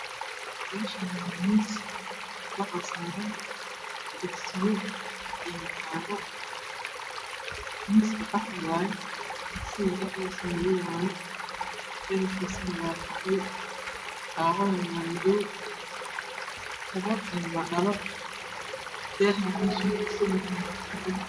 Meeshaan waa waa miis waxaa saaran digsiyo iyo taawo. Miiska qaxwi waaye digsiga dhex diisa madow waaye dhabarkiisana waa qaxwi taawadana waa madow daboolkeedu waa dhalo. Daahana waa cadaan.